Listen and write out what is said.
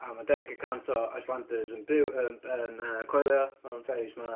A ma' deg y cant o Icelanders yn byw, yym, yn, yy, coelio mewn fairies 'ma.